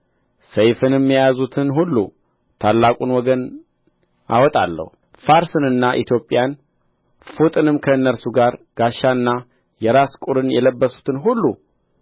ሰይፍንም ያያዙትን ሁሉ ታላቁን ወገን አወጣለሁ ፋርስንና ኢትዮጵያን ፉጥንም ከእነርሱ ጋር ጋሻና የራስ ቍርን የለበሱትን ሁሉ